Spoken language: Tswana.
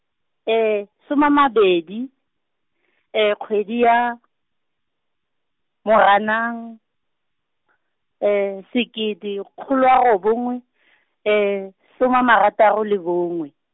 soma a mabedi , kgwedi ya , Moranang , sekete kgolo a robongwe , soma a marataro le bongwe.